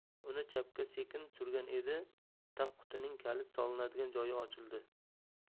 uni chapga sekin surgan edi tagqutining kalit solinadigan joyi ochildi